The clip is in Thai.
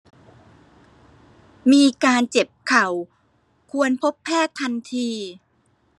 มีการเจ็บเข่าควรพบแพทย์ทันที